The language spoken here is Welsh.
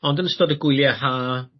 ond yn ystod y gwylie ha